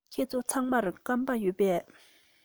ཁྱེད ཚོ ཚང མར སྐམ པ ཡོད པས